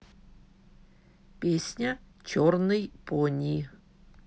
песня черный пони